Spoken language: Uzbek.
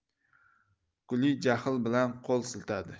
guli jahl bilan qo'l siltadi